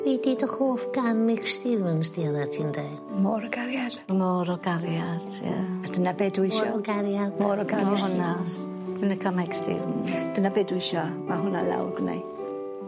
Be' 'di dy hoff gân meic Stevens di oddat ti'n deu? Môr o Gariad Môr o Gariad ie. A dyna be' dwi isio. Môr o Gariad. Môr o Gariad. O na. Dwi'n lico Meic Stevens. Dyna be' dwi isio. Ma' hwnna lawr gynnai.